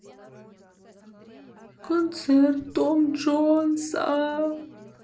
концерт том джонса